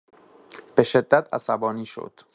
به‌شدت عصبانی شد.